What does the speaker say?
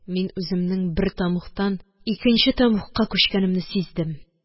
Мин үземнең бер тәмугтан икенче тәмугка күчкәнемне сиздем